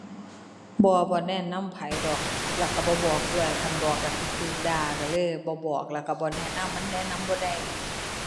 บ่ บ่แนะนำไผดอก แล้วก็บ่บอกด้วย คันบอกก็สิก็ด่า ก็เลยบ่บอก แล้วก็บ่แนะนำ มันแนะนำบ่ได้